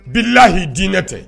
Bila'i dinɛ tɛ